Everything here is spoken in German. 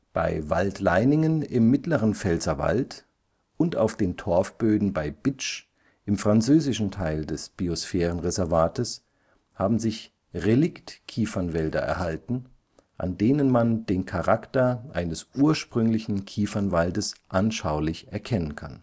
Bei Waldleiningen im mittleren Pfälzerwald und auf den Torfböden bei Bitsch (frz. Bitche) im französischen Teil des Biosphärenreservates haben sich „ Relikt-Kiefernwälder “erhalten, an denen man den Charakter eines ursprünglichen Kiefernwaldes anschaulich erkennen kann